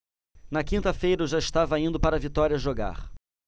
na quinta-feira eu já estava indo para vitória jogar